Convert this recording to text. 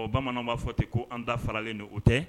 Bon bamananw b'a fɔ ten ko an da faralen don o tɛ